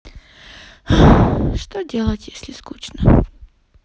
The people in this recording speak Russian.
что делать если скучно